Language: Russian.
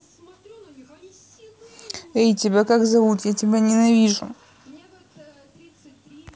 эй тебя как зовут я тебя ненавижу